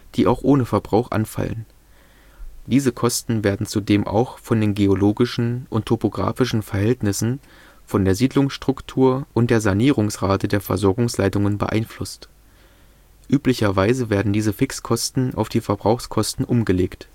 die auch ohne Verbrauch anfallen. Diese Kosten werden zudem auch von den geologischen und topografischen Verhältnissen, von der Siedlungsstruktur und der Sanierungsrate der Versorgungsleitungen beeinflusst. Üblicherweise werden diese Fixkosten auf die Verbrauchskosten umgelegt